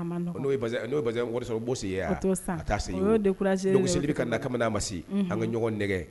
O ma nɔgɔ, n'o ye basin wari sɔrɔ o b'o san e ye, a t'a san, ka ye, a t'a san. o y'o decouragé len ye. Donc seli bɛ ka na kabi n'a ma se, unhun, an ka ɲɔgɔn nɛgɛ